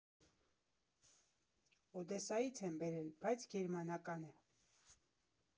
Օդեսայից են բերել, բայց գերմանական է։